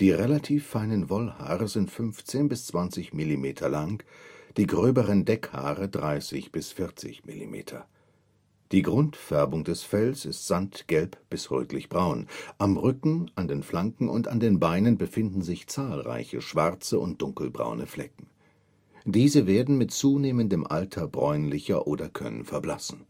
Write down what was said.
relativ feinen Wollhaare sind 15 bis 20 Millimeter lang, die gröberen Deckhaare 30 bis 40 Millimeter. Die Grundfärbung des Fells ist sandgelb bis rötlich-braun; am Rücken, an den Flanken und an den Beinen befinden sich zahlreiche schwarze und dunkelbraune Flecken. Diese werden mit zunehmendem Alter bräunlicher oder können verblassen